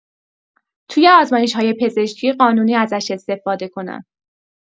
توی آزمایش‌های پزشکی قانونی ازش استفاده کنن.